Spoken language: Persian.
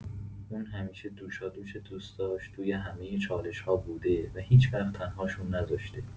اون همیشه دوشادوش دوستاش توی همه چالش‌ها بوده و هیچوقت تن‌هاشون نذاشته.